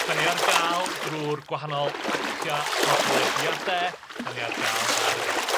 'Dan ni ar ga'l drw'r gwahanol apia podlediade, 'dan ni ar ga'l ar